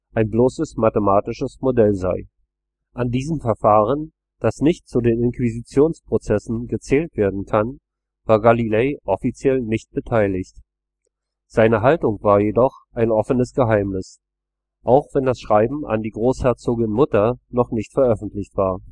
ein bloßes mathematisches Modell sei. An diesem Verfahren, das nicht zu den Inquisitionsprozessen gezählt werden kann, war Galilei offiziell nicht beteiligt. Seine Haltung war jedoch ein offenes Geheimnis, auch wenn das Schreiben an die Großherzogin-Mutter noch nicht veröffentlicht war